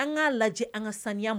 An k'a lajɛ an ka sanuya